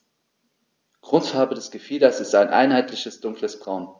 Grundfarbe des Gefieders ist ein einheitliches dunkles Braun.